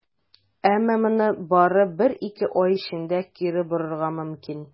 Әмма моны бары бер-ике ай эчендә кире борырга мөмкин.